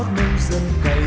về